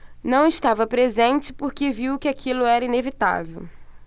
não estava presente porque viu que aquilo era inevitável